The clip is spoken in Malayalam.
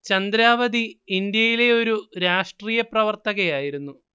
ചന്ദ്രാവതി ഇന്ത്യയിലെ ഒരു രാഷ്ട്രീയ പ്രവർത്തകയായിരുന്നു